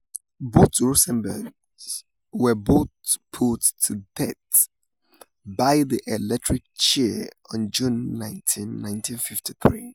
Both Rosenbergs were both put to death by the electric chair on June 19, 1953.